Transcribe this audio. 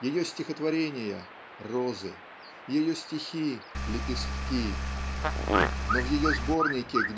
ее стихотворения - розы, ее стихи - лепестки. Но в ее сборнике